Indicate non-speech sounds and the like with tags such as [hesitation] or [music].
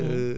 [hesitation] [hesitation]